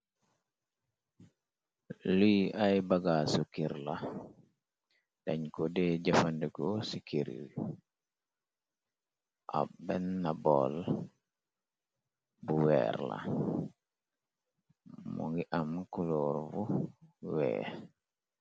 Luy ay bagaasu kir la dañ ko dee jëfandekoo ci kir y ab ben na bool bu weer la moo ngi am kuloorbu wee.